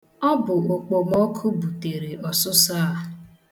Ọ bụ okpomọkụ butere ọsụsọọ a.